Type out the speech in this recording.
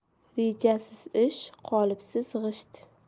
rejasiz ish qolipsiz g'isht